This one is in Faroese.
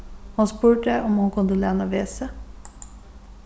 hon spurdi um hon kundi læna vesið